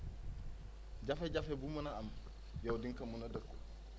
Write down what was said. jafe-jafe bu mën a am yow di nga ko mën a tëkku